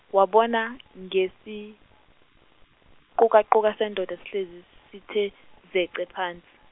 wabona ngesiqukaquka sendoda sihlezi sithe zece phansi.